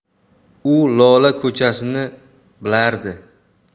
u lola ko'chasini bilardi